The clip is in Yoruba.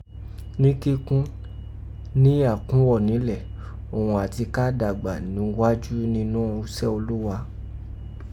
Ni kikọ́n, Ni akungwọnílẹ̀ oghun ati ka dàgbà núgwájú ninọ́ usé oluwa .